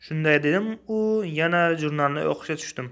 shunday dedimu yana jurnalni o'qishga tushdim